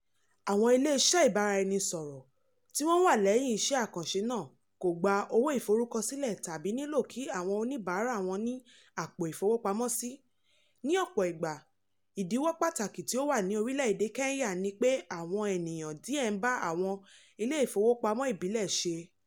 Àwọn ilé iṣẹ́ ìbáraẹnisọ̀rọ̀ tí wọ́n wà lẹ́yìn iṣẹ́ àkànṣe náà kò gba owó ìforúkọsílẹ̀ tàbí nílò kí àwọn oníbàárà wọn ní àpò ìfowópamọ́ sí, ní ọ̀pọ̀ ìgbà ìdíwọ́ pàtàkì tí ó wà ní orílẹ̀ èdè Kenya ni pé àwọn ènìyàn díẹ̀ ń bá àwọn ilé ìfowópamọ́ ìbílẹ̀ ṣe.